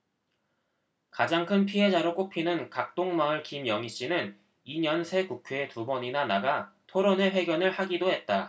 가장 큰 피해자로 꼽히는 각동마을 김영희씨는 이 년 새 국회에 두 번이나 나가 토론회 회견을 하기도 했다